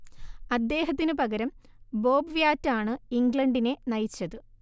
അദ്ദേഹത്തിന്‌ പകരം Bob Wyatt ആണ്‌ ഇംഗ്ലണ്ടിനെ നയിച്ചത്